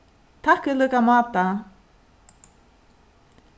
takk í líka máta